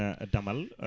daamal